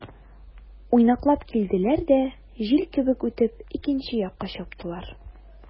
Уйнаклап килделәр дә, җил кебек үтеп, икенче якка чаптылар.